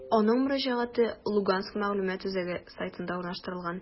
Аның мөрәҗәгате «Луганск мәгълүмат үзәге» сайтында урнаштырылган.